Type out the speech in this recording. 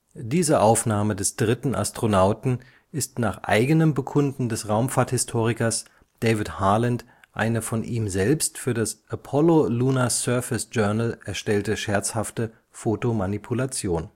Diese Aufnahme des dritten Astronauten ist nach eigenem Bekunden des Raumfahrthistorikers David Harland eine von ihm selbst für das Apollo Lunar Surface Journal erstellte scherzhafte Fotomanipulation